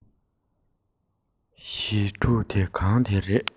ཞི ཕྲུག དེ གང དེ རེད